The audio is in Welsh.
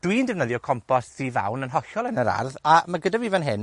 dwi'n defnyddio compost di-fawn yn hollol yn yr ardd, a, ma' gyda fi fan hyn